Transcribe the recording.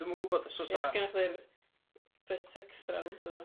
Dwi'm yn gwbod os o's 'a... Ia ch- gynna chdi'r bit extra rowndo fo.